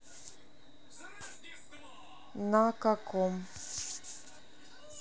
на каком